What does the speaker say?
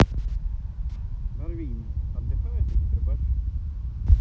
barvina отдыхают избербаш